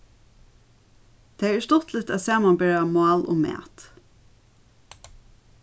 tað er stuttligt at samanbera mál og mat